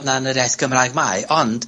na yn yr iaith Gymraeg mai, ond...